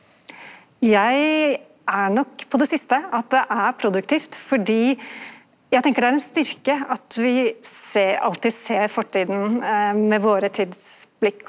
eg er nok på det siste at det er produktivt fordi eg tenker det er ein styrke at vi alltid ser fortida med våre tidsblikk.